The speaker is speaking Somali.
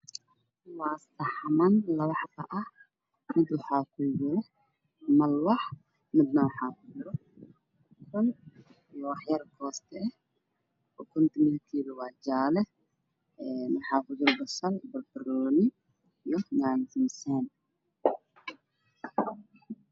Waxaa ii muuqda laba saxan oo caddaan ah iyo canjeero iyo ukun canjaarada way laaban tahay inta waxaa dul saaran barbarooni midabkiisu yahay cagaar